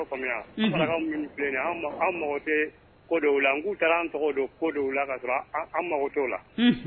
I m'a faamuya, an marakaw minnu filla nin ye, anw mago tɛ ko dɔwla , nk'u taara an tɔgɔ don ko dɔw la k'a sɔrɔ an mago t'o la, unhun.